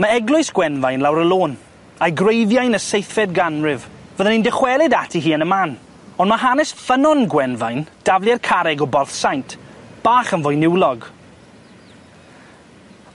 Ma' eglwys Gwenfain lawr y lôn, a'i gwreiddiau'n y seithfed ganrif, fyddwn ni'n dychwelyd ati hi yn y man, ond ma' hanes ffynnon Gwenfain, daflu'r carreg o Borth Saint, bach yn fwy niwlog.